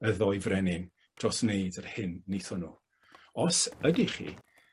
y ddou frenin dros neud yr hyn neuthon nw? Os ydych chi